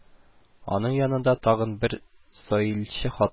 Аның янында тагын бер саилче хатын бар иде